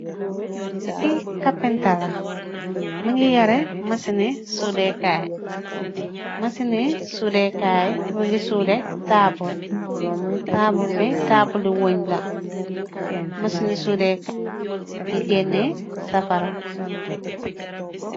Li kapenta la mugii yureh masini sudeykay, masini sudeykay mugii sudey tabull. Tabull bi tabull li weñ la, masini sudeykay bi mugii gèneh safara.